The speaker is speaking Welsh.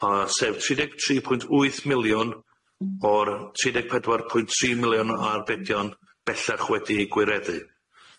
A sef tri deg tri pwynt wyth miliwn o'r tri deg pedwar pwynt tri miliwn o arbedion bellach wedi'u gwireddu.